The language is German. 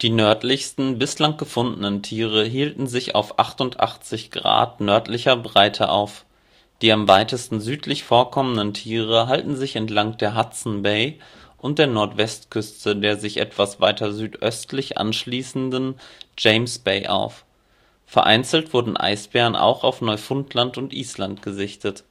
nördlichsten bislang gefundenen Tiere hielten sich auf 88° nördlicher Breite auf, die am weitesten südlich vorkommenden Tiere halten sich entlang der Hudsonbai und der Nordwestküste der sich etwas weiter südöstlich anschließenden Jamesbai auf, vereinzelt wurden Eisbären auch auf Neufundland und Island gesichtet